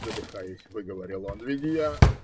- задыхаясь, выговорил он: - ведь я.